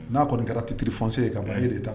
N'a kɔni kɛra tɛtiriri fsen ye ka ban h de ta